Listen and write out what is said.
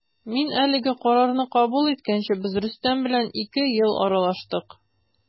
Мин әлеге карарны кабул иткәнче без Рөстәм белән ике ел аралаштык.